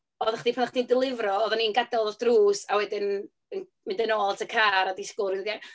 Oeddech chdi... pan o'chdi'n delifro, oedden ni'n gadael drws a wedyn yn mynd yn ôl at y car a disgwyl .